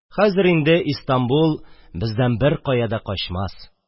Хәзер инде Истанбул бездән беркая да качмас!